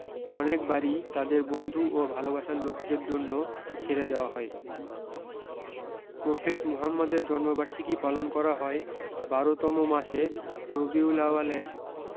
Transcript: অনেক বাড়িই তাদের বন্ধু ও ভালোবাসার লোকেদের জন্য ছেড়ে দেওয়া হয় প্রফেট মুহাম্মদের জন্মবার্ষিকী পালন করা হয় বারো তম মাসে রবিউলালের